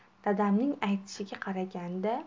dadamning aytishiga qaraganda